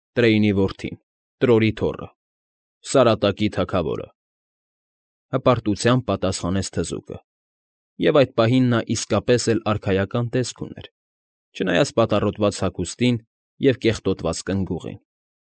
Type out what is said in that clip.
Տրեյնի որդին, Տրորի թոռը, Սարատակի թագավորը,֊ հպարտությամբ պատասխանեց թզուկը, և այդ պահին նա իսկապես էլ արքայական տեսք ուներ, չնայած պատառոտված հագուստին ու կեղտոտված կնգուղին։